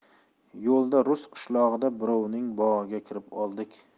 yo'lda rus qishlog'ida birovning bog'iga kirib oldik